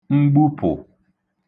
mgbupụ̀